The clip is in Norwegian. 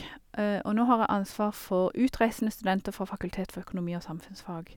Og nå har jeg ansvar for utreisende studenter fra Fakultet for økonomi og samfunnsfag.